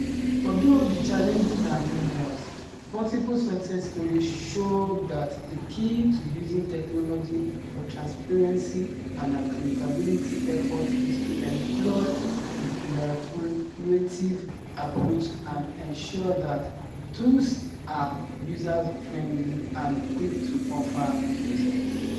Although the challenges are numerous, multiple success stories show that the key to using technology for transparency and accountability efforts is to employ a collaborative approach and ensure that tools are user-friendly and quick to offer results.